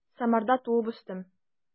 Самарда туып үстем.